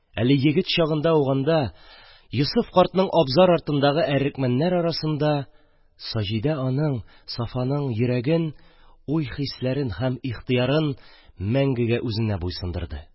Әле егет чагында ук анда, Йосыф картның абзар артындагы әрекмәннәр арасында, Саҗидә аның, Сафаның йөрәген, уй-хисләрен һәм ихтыярын мәңгегә үзенә буйсындырды,